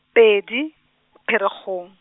pedi , Pherekgong.